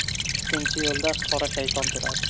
ikkinchi yo'lda qora shayton turadi